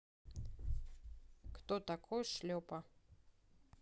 кто такой шлепа